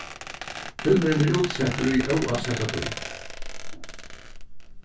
filmurin er útsettur í óásetta tíð